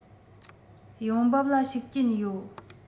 ཡོང འབབ ལ ཤུགས རྐྱེན ཡོད